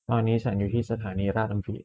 ตอนนี้ฉันอยู่ที่สถานีราชดำริ